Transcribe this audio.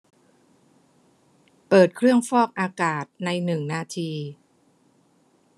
เปิดเครื่องฟอกอากาศในหนึ่งนาที